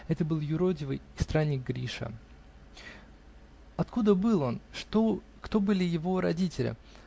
Это был юродивый и странник Гриша. Откуда был он? кто были его родители?